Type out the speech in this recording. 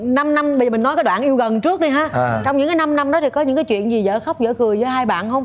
năm năm mình nói cái đoạn yêu gần trước đi ha ờ trong những cái năm năm đó thì có những cái chuyện gì dở khóc dở cười giữa hai bạn hông